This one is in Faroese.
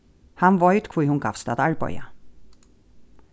hann veit hví hon gavst at arbeiða